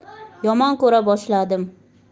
yomon ko'ra boshladim